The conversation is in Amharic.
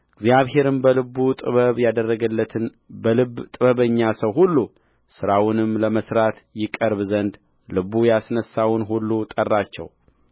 እግዚአብሔርም በልቡ ጥበብን ያደረገለትን በልብ ጥበበኛ ሰው ሁሉ ሥራውንም ለመሥራት ይቀርብ ዘንድ ልቡ ያስነሣውን ሁሉ ጠራቸው